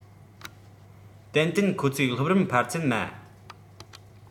ཏན ཏན ཁོ ཚོས སློབ རིམ འཕར ཚད དམའ